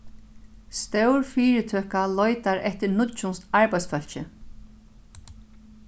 stór fyritøka leitar eftir nýggjum arbeiðsfólki